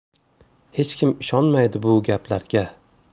hech kim ishonmaydi bu gaplarga